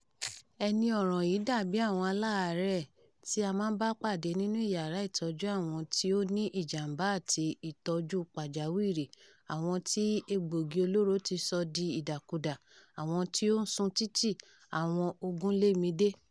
Ẹni ọ̀ràn yìí dà bíi àwọn aláàárẹ̀ tí a máa ń bá pàdé nínú ìyára ìtọ́jú àwọn tí ó ní ìjàmbá àti ìtọ́júu pàjàwìrì – àwọn tí egbògi olóró tí sọ di ìdàkudà, àwọn tí ó ń sun títì, àwọn ogún-lé-mi-dé.